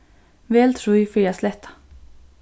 vel trý fyri at sletta